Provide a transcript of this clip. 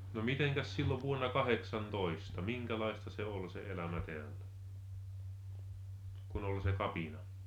no mitenkäs silloin vuonna kahdeksantoista minkälaista se oli se elämä täällä kun oli se kapina